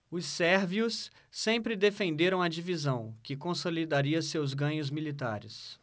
os sérvios sempre defenderam a divisão que consolidaria seus ganhos militares